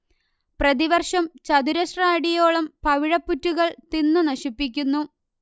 പ്രതിവർഷം ചതുരശ്ര അടിയോളം പവിഴപ്പുറ്റുകൾ തിന്നു നശിപ്പിക്കുന്നു